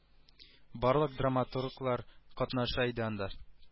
Барлык драматурглар катнаша иде анда